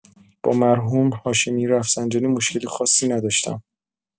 با مرحوم هاشمی رفسنجانی مشکل شخصی نداشتم.